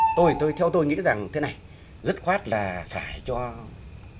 tôi tôi theo tôi nghĩ rằng thế này dứt khoát là phải cho